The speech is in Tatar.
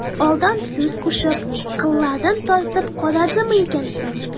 Алдан сүз кушып, кылларын тартып карадымы икән соң...